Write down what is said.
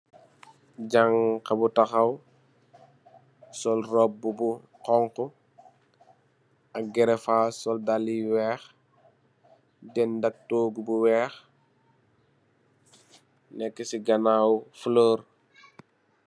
Jankh bu tawa sol robu bu xonxu, ak gerefass, sol daal yu weex, dend ak togu bu weex, mu nekk si ganaw floor.